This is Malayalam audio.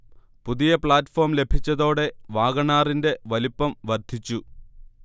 പുതിയ പ്ലാറ്റ്ഫോം ലഭിച്ചതോടെ വാഗണാറിന്റെ വലുപ്പം വർധിച്ചു